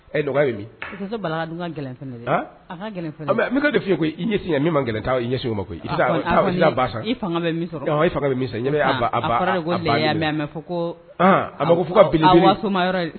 Dɔgɔ de fiye koyi i ɲɛ min i ɲɛ ma koyi a mako fo